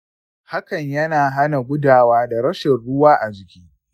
hakan yana hana gudawa da rashin ruwa a jiki.